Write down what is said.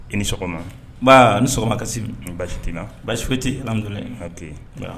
I ni sɔgɔma nba ni sɔgɔma ka se basi' basifiti ala